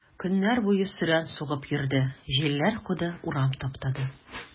Көннәр буе сөрән сугып йөрде, җилләр куды, урам таптады.